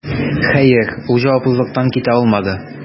Хәер, ул җаваплылыктан китә алмады: